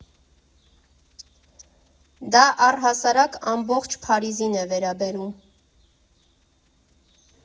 Դա առհասարակ ամբողջ Փարիզին է վերաբերում։